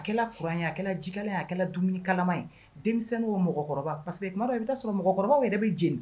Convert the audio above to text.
A kɛra kuran ye a jika ye a kɛra dumuni kalama ye denmisɛn o mɔgɔkɔrɔba parceseke i bɛ'a sɔrɔ mɔgɔkɔrɔba yɛrɛ bɛ jeni